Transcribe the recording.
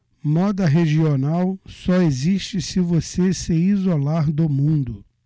moda regional só existe se você se isolar do mundo